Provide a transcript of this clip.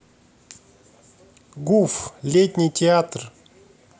гуф летний театр